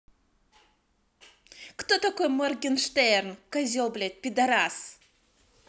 кто такой morgenshtern козел блядь пидарас